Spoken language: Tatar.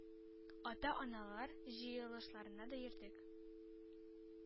Ата-аналар җыелышларына да йөрдек.